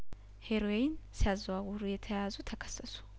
ሄሮይን ሲያዘዋውሩ የተያዙ ተከሰሱ